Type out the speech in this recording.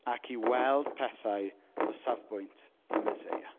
Ac i weld pethau o safbwynt y Meseia.